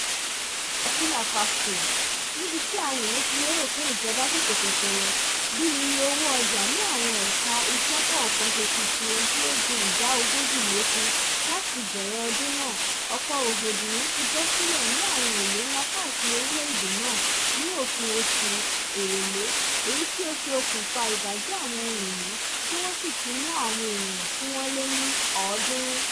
Ní Burkina Faso, níbi tí àwọn èèyàn ti lérò pé ìjọba jókòó tẹtẹrẹ bí iye owó ọjà ní àwọn ẹ̀ka-iṣẹ́ kọ̀ọ̀kan ṣe ti fi ohun tí ó ju ìdá 40% lékún láti ìbẹ̀rẹ̀ ọdún náà, ọ̀pọ̀ rògbòdìyàn ti bẹ́ sílẹ̀ ní àwọn ìlú ńlá káàkiri orílẹ̀-èdè náà ní òpin oṣù Èrèlé, èyí tí ó ṣe okùnfà ìbàjẹ́ àwọn ohun ìní tí wọ́n sì ti mú àwọn èèyàn tí wọ́n lé ní 300.